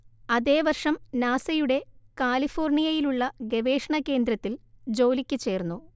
അതേ വർഷം നാസയുടെ കാലിഫോർണിയയിലുള്ള ഗവേഷണ കേന്ദ്രത്തിൽ ജോലിക്കു ചേർന്നു